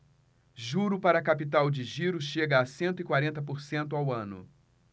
juro para capital de giro chega a cento e quarenta por cento ao ano